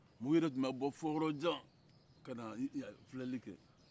mɔgɔw yɛrɛ tun bɛ bɔ fo yɔrɔ jan ka na filɛli kɛ